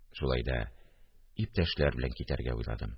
– шулай да иптәшләр белән китәргә уйладым